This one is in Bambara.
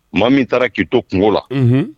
Maa min taara k'i to kungo la